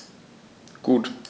Gut.